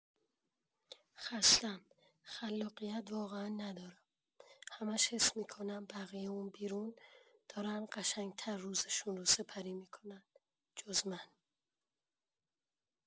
خستم خلاقیت واقعا ندارم، همش حس می‌کنم بقیه اون بیرون دارن قشنگ‌تر روزشون رو سپری می‌کنن جز من.